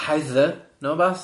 heather ne wbath?